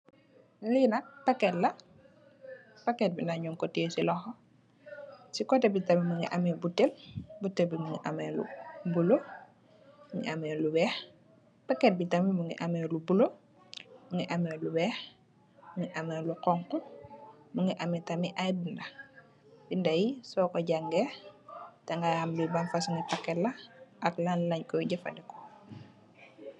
Li nak paket la paket bi nak nyunjko tee ci loho ci koteh bi tamit mungi ameh paket paket bi mungi ameh bulo mungi ameh lu weex paket bi tamit mungi ameh lu bulo mungi ameh lu weex mungi ameh lu xonxu mungi ameh tamit ay binda binda yi soko jangeh dinga ham ban fosom packet la ak la enjoyed jefendeko